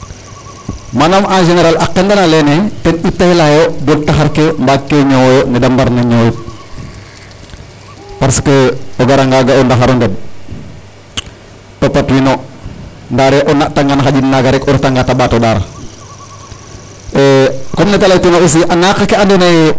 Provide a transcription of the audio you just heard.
Parce que o garanga ga' o ndaxar o ndeɓ topatwinu ndare o naɗtangan xaƴin naaga rek, o retanga ta ɓaat o ɗaar comme ne ta laytuna aussi a naaq ake andoona yee den na ngaraayo no ndaxar ɗeɓ onqeene ka mbaro mbañelooyo bo ndaxar ne a mbaag o ñoowooyo a paax .